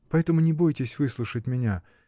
Поэтому не бойтесь выслушать меня.